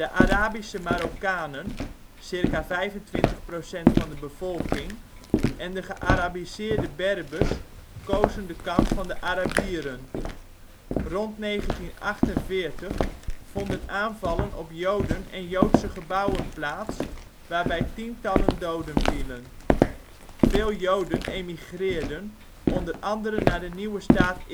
Arabische Marokkanen (ca. 25 % van de bevolking) en de gearabiseerde Berbers kozen de kant van de Arabieren. Rond 1948 vonden aanvallen op Joden en joodse gebouwen plaats waarbij tientallen doden vielen. Veel Joden emigreerden, onder andere naar de nieuwe staat